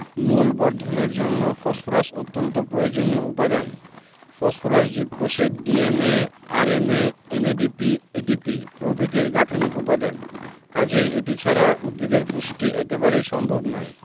মূল বর্ধনের জন্য ফসফরাস অত্যন্ত প্রয়োজনীয় উপাদান ফসফরাস জীবকোষের DNA RNA NADP ATP প্রভৃতির গাঠনিক উপাদান কাজেই এটি ছাড়া উদ্ভিদের পুষ্টি একেবারেই সম্ভব নয়